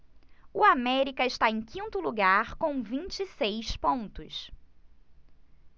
o américa está em quinto lugar com vinte e seis pontos